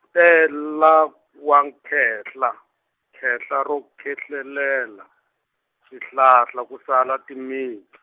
ntela wa khehla, khehla ro khehlelela, swihlahla ku sala timints-.